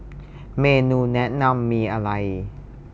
เมนูแนะนำมีอะไร